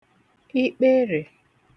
ikperè